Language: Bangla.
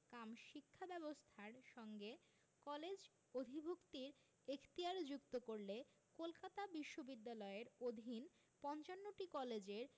কাম শিক্ষা ব্যবস্থার সঙ্গে কলেজ অধিভুক্তির এখতিয়ার যুক্ত করলে কলকাতা বিশ্ববিদ্যালয়ের অধীন ৫৫টি কলেজের